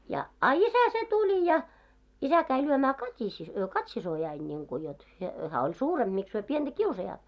ja a isä se tuli ja isä kävi lyömään - Kati-siskoani niin kuin jotta - hän oli suurempi miksi he pientä kiusaavat